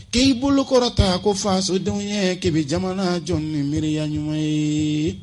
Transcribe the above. K'i bolokɔrɔ ta ko fadenw ye kɛmɛ bɛ jamana jɔn ni miereya ɲuman ye